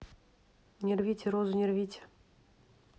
не рвите розу не рвите